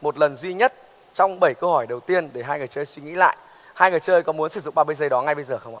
một lần duy nhất trong bẩy câu hỏi đầu tiên để hai người chơi suy nghĩ lại hai người chơi có muốn sử dụng ba mươi giây đó ngay bây giờ không ạ